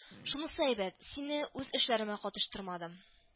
Шунысы әйбәт, сине үз эшләремә катыштырмадым